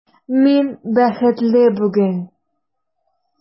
Мин бәхетле бүген!